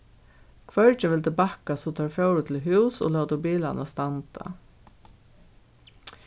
hvørgin vildi bakka so teir fóru til hús og lótu bilarnar standa